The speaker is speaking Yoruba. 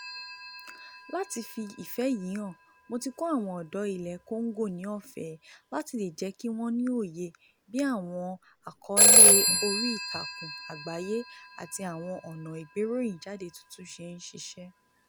Láti fi ìfẹ́ yìí hàn, mo ti kọ́ àwọn ọ̀dọ́ ilẹ̀ Congo ní ọ̀fẹ́ láti lè jẹ́ kí wọ́n ní òye bí àwọn àkọọ́lẹ̀ oríìtakùn àgbáyé àti àwọn ọ̀nà ìgbéròyìnjáde tuntun ṣe ń ṣiṣẹ́.